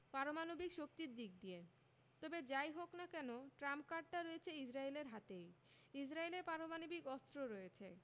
পারমাণবিক শক্তির দিক দিয়ে তবে যা ই হোক না কেন ট্রাম্প কার্ডটা রয়েছে ইসরায়েলের হাতেই ইসরায়েলের পারমাণবিক অস্ত্র রয়েছে